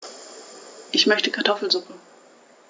Ich möchte Kartoffelsuppe.